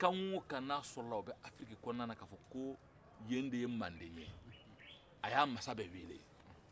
kan o kan n'a sɔrɔ la o bɛ afiriki kɔnɔna na k'a fɔ k'o yen de ye manden ye a y'a mansa bɛɛ wele